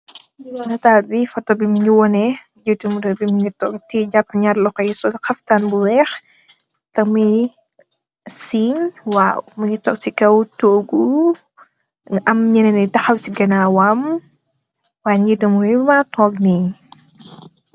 Netal bi photo bi mogi woneh ngiti reew mee mogi toog tiyeh japa naari loxom yi sol haftan bu weex teh moi seeng waw mogi tog si kaw togu nga am nyenen yi taxaw si kanawam y ngiti reew mee mba tog nee.